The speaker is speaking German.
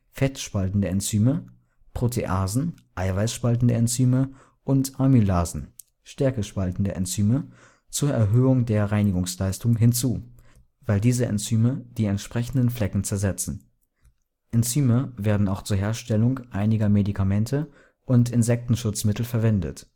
Fett spaltende Enzyme), Proteasen (Eiweiß spaltende Enzyme) und Amylasen (Stärke spaltende Enzyme) zur Erhöhung der Reinigungsleistung hinzu, weil diese Enzyme die entsprechenden Flecken zersetzen. Enzyme werden auch zur Herstellung einiger Medikamente und Insektenschutzmittel verwendet